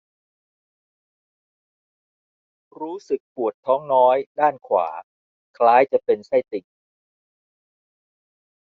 รู้สึกปวดท้องน้อยด้านขวาคล้ายจะเป็นไส้ติ่ง